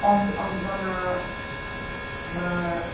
Ond, ond ma' 'na, ma' 'na...